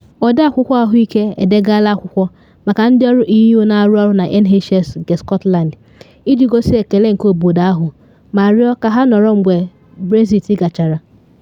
Ọde Akwụkwọ Ahụike edegala akwụkwọ maka ndị ọrụ EU na arụ ọrụ na NHS nke Scotland iji gosi ekele nke obodo ahụ ma rịọ ka ha nọrọ mgbe Brexit gachara.